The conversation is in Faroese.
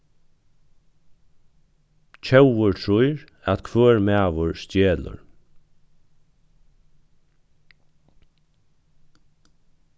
tjóvur trýr at hvør maður stjelur